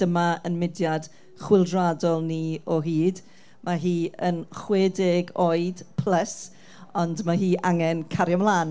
Dyma ein mudiad chwyldroadol ni o hyd. Ma' hi yn chwedeg oed plus, ond ma' hi angen cario mlân.